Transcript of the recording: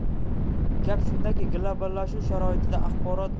gap shundaki globallashuv sharoitida axborot